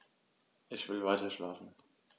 Ich will weiterschlafen.